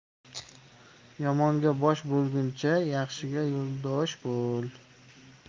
yomonga bosh bo'lguncha yaxshiga yo'ldosh bo'l